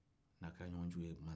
n'a kɛra ɲɔgɔn jugu ye o tuman